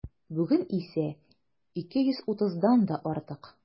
Бүген исә 230-дан да артык.